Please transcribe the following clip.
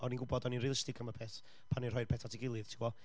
O'n i'n gwybod o'n i'n realistig am y peth pan o'n i'n rhoi'r peth at ei gilydd ti'n gwbod.